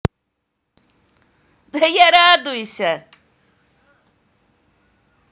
да я радуйся